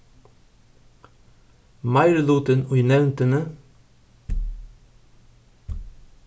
meirilutin í nevndini